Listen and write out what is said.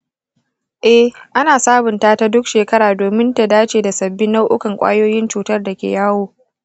eh, ana sabunta ta duk shekara domin ta dace da sabbin nau’ikan ƙwayoyin cutar da ke yawo.